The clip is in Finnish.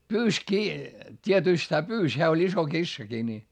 pyysi kiinni tietysti hän pyysi hän oli iso kissakin niin